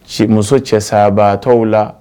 Simuso cɛ sabatɔ la